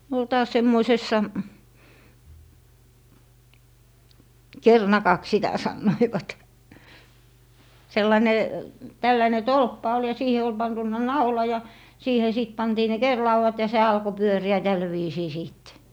ne oli taas semmoisessa kerinakaksi sitä sanoivat sellainen tällainen tolppa oli ja siihen oli pantu naula ja siihen sitten pantiin ne kerinlaudat ja se alkoi pyöriä tällä viisiin sitten